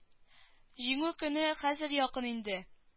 Җиңү көне хәзер якын инде